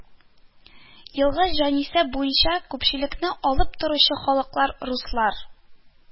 Елгы җанисәп буенча күпчелекне алып торучы халыклар: руслар